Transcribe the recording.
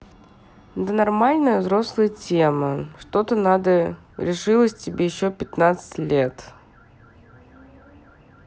да нормальная взрослая тема что то надо решилось тебе еще пятнадцать лет